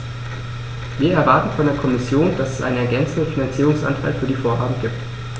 Wir erwarten von der Kommission, dass es einen ergänzenden Finanzierungsanteil für die Vorhaben gibt.